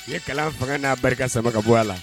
U ye kalan fanga n'a barika sama k'a bɔ a la